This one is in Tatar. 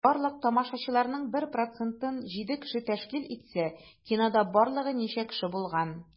Барлык тамашачыларның 1 процентын 7 кеше тәшкил итсә, кинода барлыгы ничә кеше булган?